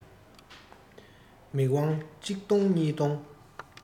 མིག དབང གཅིག ལྡོངས གཉིས ལྡོངས